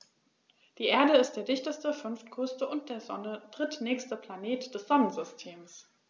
Die Erde ist der dichteste, fünftgrößte und der Sonne drittnächste Planet des Sonnensystems.